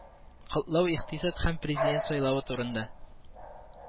Котлау икътисад һәм президент сайлавы турында